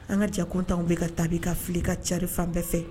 An ka cɛkun taw bɛka ka tabi ka fili ka caririn fan bɛɛ fɛ